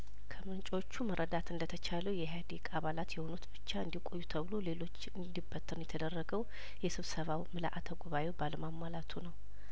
ከምንጮቹ መረዳት እንደተቻለው የኢህአዴግ አባላት የሆኑት ብቻ እንዲ ቆዩ ተብሎ ሌሎች እንዲ በተኑ የተደረገው የስብሰባውምልአተ ጉባኤው ባለመ ሟላቱ ነው